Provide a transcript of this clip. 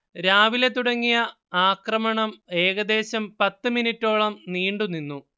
രാവിലെ തുടങ്ങിയ ആക്രമണം ഏകദേശം പത്തുമിനിട്ടോളം നീണ്ടു നിന്നു